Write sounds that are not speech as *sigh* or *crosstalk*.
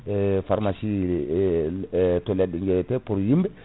e pharmacie *hesitation* e to leɗɗe jeeyete pour yimɓe